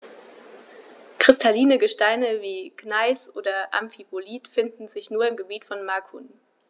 Kristalline Gesteine wie Gneis oder Amphibolit finden sich nur im Gebiet von Macun.